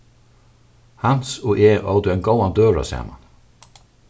hans og eg ótu ein góðan døgurða saman